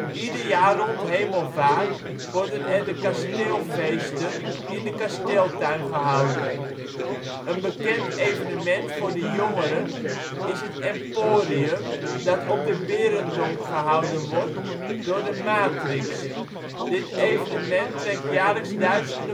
Ieder jaar rond Hemelvaart worden er de Kasteelfeesten in de Kasteeltuin gehouden. Een bekend evenement voor de jongeren is het Emporium dat op de Berendock gehouden wordt door de Matrixx. Dit evenement trekt jaarlijks duizenden